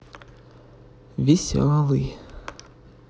веселый